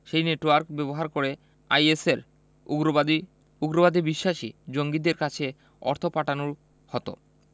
সেই নেটওয়ার্ক ব্যবহার করে আইএসের উগ্রবাদি উগ্রবাদে বিশ্বাসী জঙ্গিদের কাছে অর্থ পাঠানো হতো